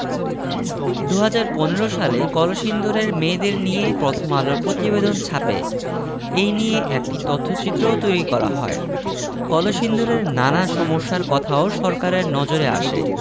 ২০১৫ সালে কলসিন্দুরের মেয়েদের নিয়ে প্রথম আলো প্রতিবেদন ছাপে এ নিয়ে একটি তথ্যচিত্রও তৈরি করা হয় কলসিন্দুরের নানা সমস্যার কথাও সরকারের নজরে আসে